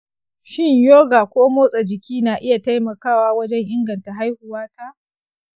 shin yoga ko motsa jiki na iya taimakawa wajen inganta haihuwa ta?